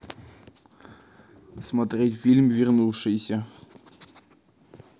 смотреть фильм вернувшиеся